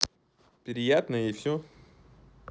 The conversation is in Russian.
приятное и все